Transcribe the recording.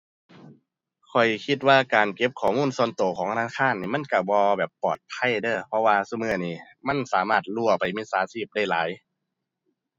ข้อยคิดว่าการเก็บข้อมูลส่วนตัวของธนาคารนี่มันตัวบ่แบบปลอดภัยเด้อ เพราะว่าซุมื้อนี้มันสามารถรั่วไปมิจฉาชีพได้หลาย